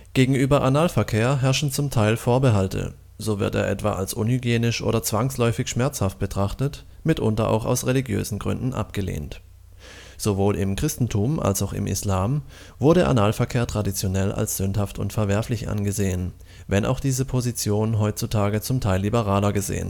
Gegenüber Analverkehr herrschen zum Teil Vorbehalte, so wird er etwa als unhygienisch oder zwangsläufig schmerzhaft betrachtet, mitunter auch aus religiösen Gründen abgelehnt. Sowohl im Christentum als auch im Islam wurde Analverkehr traditionell als sündhaft und verwerflich angesehen, wenn auch diese Position heutzutage zum Teil liberaler gesehen